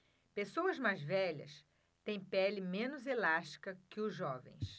pessoas mais velhas têm pele menos elástica que os jovens